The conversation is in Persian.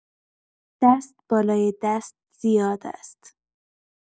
دست بالای دست زیاد است